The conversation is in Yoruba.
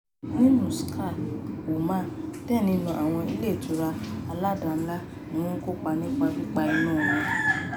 Ní Muscat, Oman, díẹ̀ nínú àwọn ilé-ìtura aládàá-ńlá ni wọ́n kópa nípa pípa iná wọn.